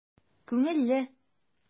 Күңелле!